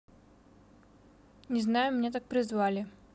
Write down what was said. не знаю меня так призвали